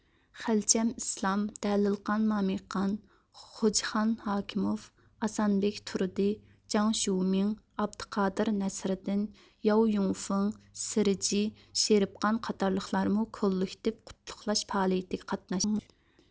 خەلچەم ئىسلام دەلىلقان مامىقان خوجىخان ھاكىموف ئاسانبېك تۇردى جاڭ شيۇمىڭ ئابدۇقادىر نەسىردىن ياۋ يۇڭفېڭ سېرجې شېرىپقان قاتارلىقلارمۇ كوللېكتىپ قۇتلۇقلاش پائالىيىتىگە قاتناشتى